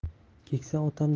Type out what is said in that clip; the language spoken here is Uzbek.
keksa otam